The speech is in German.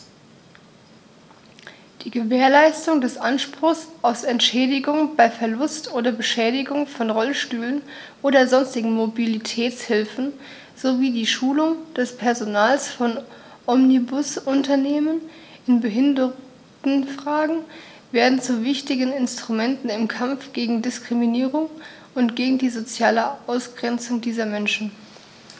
Die Gewährleistung des Anspruchs auf Entschädigung bei Verlust oder Beschädigung von Rollstühlen oder sonstigen Mobilitätshilfen sowie die Schulung des Personals von Omnibusunternehmen in Behindertenfragen werden zu wichtigen Instrumenten im Kampf gegen Diskriminierung und gegen die soziale Ausgrenzung dieser Menschen.